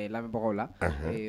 Ee lamɛnbagaw la